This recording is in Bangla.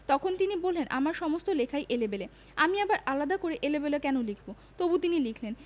তখন তিনি বললেন আমার সমস্ত লেখাই এলেবেলে আমি আবার আলাদা করে এলেবেলে কেন লিখব তবু তিনি লিখলেন